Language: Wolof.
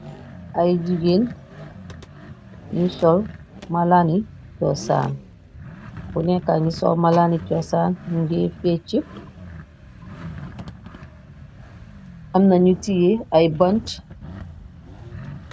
Ay jigéen nyu ngi sol malaani cosaan, ku nekka ngi sol malaani cosaan mingi fecci, amna nyu tiyee ay bante.